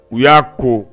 U y'a ko